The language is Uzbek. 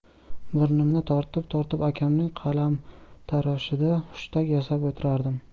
burnimni tortib tortib akamning qalamtaroshida hushtak yasab o'tirardim